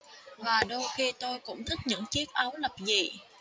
và đôi khi tôi cũng thích những chiếc áo lập dị